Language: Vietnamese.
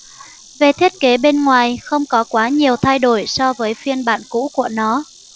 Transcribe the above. về thiết kế bên ngoài không có quá nhiều thay đổi so với phiên bản cũ của nó